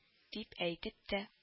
Дип әйтеп тә